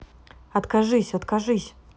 откажись откажись